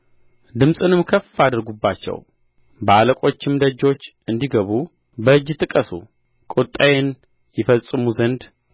ድምፅንም ከፍ አድርጉባቸው በአለቆችም ደጆች እንዲገቡ በእጅ ጥቀሱ ቍጣዬን ይፈጽሙ ዘንድ